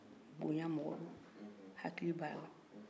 hakili b'ala miiri b'ala tasi b'ala